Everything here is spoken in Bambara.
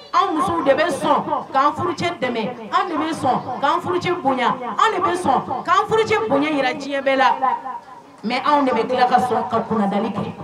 Anw musow de bɛ sɔn'an furucɛ dɛmɛ anw de bɛ sɔn'an furucɛ bonyayan de bɛ sɔn k'an furucɛ bonyayan jira diɲɛ bɛɛ la mɛ anw de bɛ ka sɔn ka kunnadli kɛ